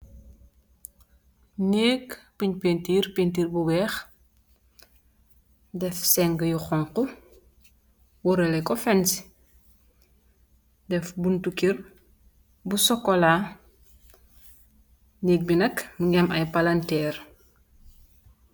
Neeke bun pineterr pineterr bu weehe def segue yu hauhu wurlaleku fence def bounte kerr bu sukola neeke be nak muge am aye palanterr.